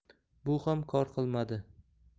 bu ham kor qilmadi